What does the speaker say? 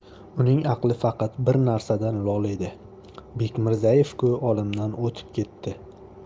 uning aqli faqat bir narsadan lol edi bekmirzaevku olamdan o'tib ketdi